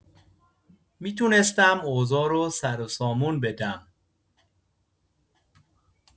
می‌تونستم اوضاع رو سروسامان بدم.